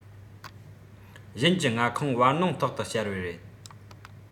གཞན གྱི མངའ ཁོངས བར སྣང ཐོག ཏུ བསྐྱལ བའི རེད